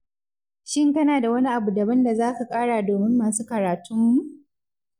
Shin kana da wani abu daban da za ka ƙara domin masu karatunmu?